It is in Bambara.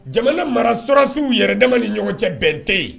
Jamana mara sɔrasiw yɛrɛ dama ni ɲɔgɔn cɛ bɛn tɛ yen